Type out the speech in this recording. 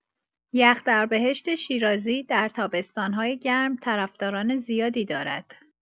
یخ در بهشت شیرازی در تابستان‌های گرم طرفداران زیادی دارد.